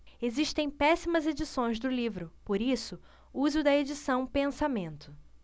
existem péssimas edições do livro por isso use o da edição pensamento